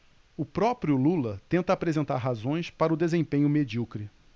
o próprio lula tenta apresentar razões para o desempenho medíocre